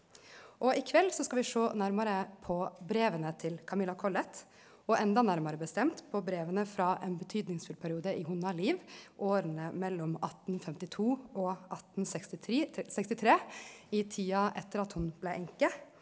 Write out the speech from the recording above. og i kveld så skal vi sjå nærmare på breva til Camilla Collett og enda nærmare bestemt på breva frå ein viktig periode i hennar liv, åra mellom 1852 og 63 i tida etter at ho blei enke,